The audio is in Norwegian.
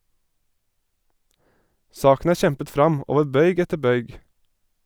Saken er kjempet fram over bøyg etter bøyg.